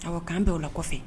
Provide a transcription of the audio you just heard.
Aw k'an bɛ' o la kɔfɛ